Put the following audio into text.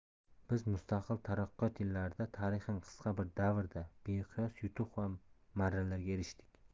biz mustaqil taraqqiyot yillarida tarixan qisqa bir davrda beqiyos yutuq va marralarga erishdik